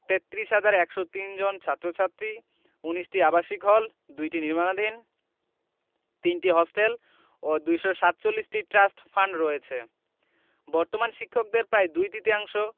৩৩ হাজার ১০৩ জন ছাত্র ছাত্রী ১৯টি আবাসিক হল ২টি নির্মাণাধীন ৩টি হোস্টেল ও ২৪৭টি ট্রাস্ট ফান্ড রয়েছে বর্তমান শিক্ষকদের প্রায় দুই তৃতীয়াংশ